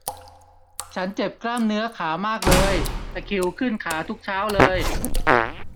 ฉันเจ็บกล้ามเนื้อขามากเลยตะคริวขึ้นขาทุกเช้าเลย